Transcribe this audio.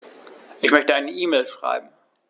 Ich möchte eine E-Mail schreiben.